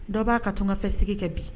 Dɔ b'a ka tungafɛsigi kɛ bi